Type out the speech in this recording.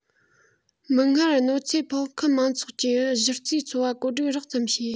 མིག སྔར གནོད འཚེ ཕོག ཁུལ མང ཚོགས ཀྱི གཞི རྩའི འཚོ བ བཀོད སྒྲིག རགས ཙམ བྱས